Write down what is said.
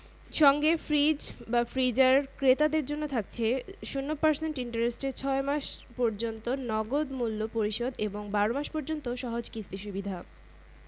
সঙ্গে ফ্রিজ বা ফ্রিজার ক্রেতাদের জন্য থাকছে ০% ইন্টারেস্টে ৬ মাস পর্যন্ত নগদ মূল্য পরিশোধ এবং ১২ মাস পর্যন্ত সহজ কিস্তি সুবিধা